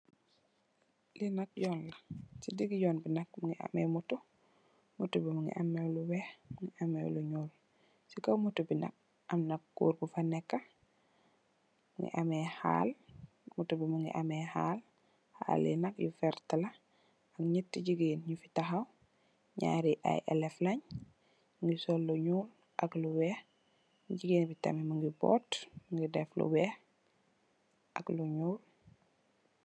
Lee nak yoon la se dege yoon be muge ameh motou motou be muge ameh lu weex muge ameh lu nuul se kaw motou be nak amna goor bufa neka muge ameh hal motou be muge ameh hal hal ye nak yu verta la nyate jegain nufe tahaw nyarr ye aye elef len nuge sol lu nuul ak lu weex jegain be tamin muge bott muge def lu weex ak lu nuul.